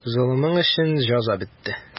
Золымың өчен җәза бетте.